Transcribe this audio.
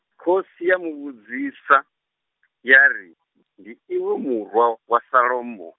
khosi ya muvhudzisa, ya ri, ndi iwe murwa, wa Salomo-.